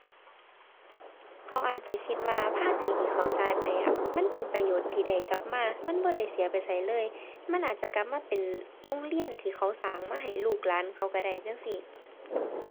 เขาอาจจะคิดว่าภาษีที่เขาจ่ายไปอะ มันเป็นประโยชน์ที่ได้กลับมา มันบ่ได้เสียไปไสเลย มันอาจจะกลับมาเป็นโรงเรียนที่เขาสร้างมาให้ลูกหลานเขาก็ได้ จั่งซี้